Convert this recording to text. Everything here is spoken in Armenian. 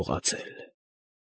Լողացել։